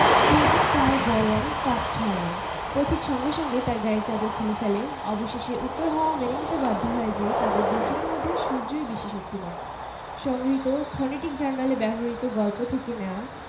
সেটাকে বুঝিয়ে দেওয়া যাক যে ভেড়াটাকে খাওয়ার ব্যাপারটা নেকড়ের হক এর মধ্যেই পড়ে সে ভেড়াটাকে বলল এই যে মশাই গেল সনে আপনি আমাকে বিস্তর অপমান করেছিলেন